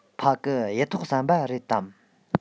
ཕ གི གཡུ ཐོག ཟམ པ རེད དམ